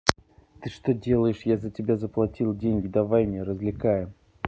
ты что делаешь я за тебя заплатил деньги давай мне развлекаем